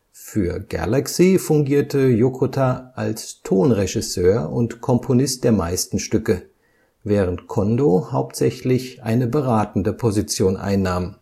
Für Galaxy fungierte Yokota als Tonregisseur und Komponist der meisten Stücke, während Kondō hauptsächlich eine beratende Position einnahm